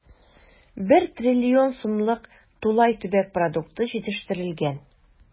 1 трлн сумлык тулай төбәк продукты җитештерелгән.